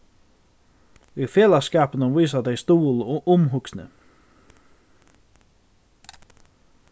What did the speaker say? í felagsskapinum vísa tey stuðul og umhugsni